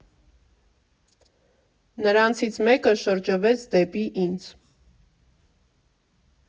Նրանցից մեկը շրջվեց դեպի ինձ.